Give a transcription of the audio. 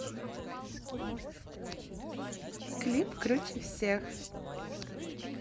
clip круче всех